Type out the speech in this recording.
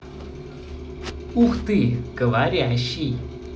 ух ты говорящий